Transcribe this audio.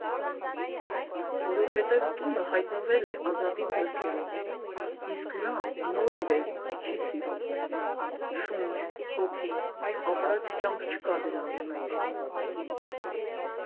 Որովհետև տունը հայտնվել է Ազատի ձեռքերում, իսկ նա նոր իրեր չի սիրում՝ շունչ, հոգի, ապրած կյանք չկա դրանց մեջ։